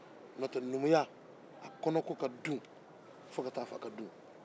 numuya a kɔnɔko ka dun fo ka taa a fɔ a ka dun